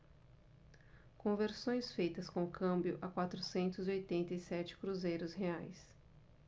conversões feitas com câmbio a quatrocentos e oitenta e sete cruzeiros reais